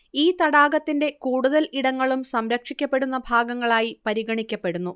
ഈ തടാകത്തിന്റെ കൂടുതൽ ഇടങ്ങളും സംരക്ഷിക്കപ്പെടുന്ന ഭാഗങ്ങളായി പരിഗണിക്കപ്പെടുന്നു